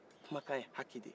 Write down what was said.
kumakan ye haki de ye